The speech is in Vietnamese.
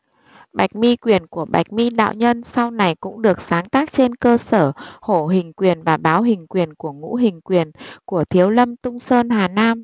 bạch mi quyền của bạch mi đạo nhân sau này cũng được sáng tác trên cơ sở hổ hình quyền và báo hình quyền của ngũ hình quyền của thiếu lâm tung sơn hà nam